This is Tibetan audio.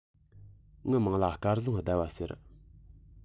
ངའི མིང ལ སྐལ བཟང ཟླ བ ཟེར